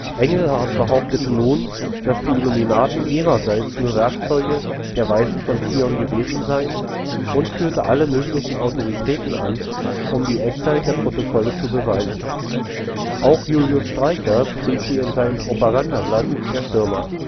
Engelhardt behauptete nun, dass die Illuminaten ihrerseits nur Werkzeuge der „ Weisen von Zion “gewesen seien, und führte alle möglichen Autoritäten an, um die Echtheit der Protokolle zu beweisen. Auch Julius Streicher pries sie in seinem Propagandablatt Der Stürmer